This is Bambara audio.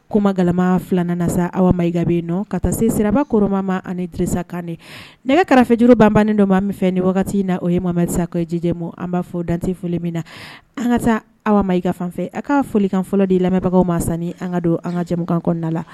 Koma galama filanan na sa aw ma i kabi nɔ ka taa se siraba koromama ani terisa kan nɛgɛge kɛrɛfɛfejuru banbannen dɔ b' min fɛ ni wagati na o ye mamamasa ko jijɛ ma an b'a fɔ dante foli min na an ka taa aw ma i ka fanfɛ a ka folikan fɔlɔ ni lamɛnbagaw ma san an ka don an ka jɛmukan kɔnɔnada la